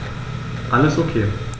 Alles OK.